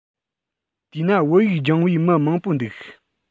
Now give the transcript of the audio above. དེས ན བོད ཡིག སྦྱོང བའི མི མང པོ འདུག